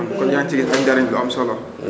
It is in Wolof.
kon yaa ngi ciy gis ay njëriñ lu am solo